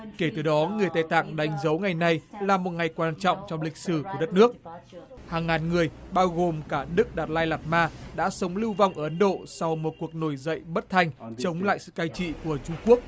kể từ đó người tây tạng đánh dấu ngày này là một ngày quan trọng trong lịch sử của đất nước hàng ngàn người bao gồm cả đức đạt lai lạt ma đã sống lưu vong ở ấn độ sau một cuộc nổi dậy bất thành chống lại sự cai trị của trung quốc